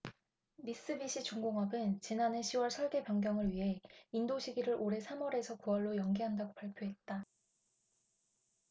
미쓰비시 중공업은 지난해 시 월 설계 변경을 위해 인도시기를 올해 삼 월에서 구 월로 연기한다고 발표했다